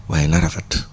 waaye na rafet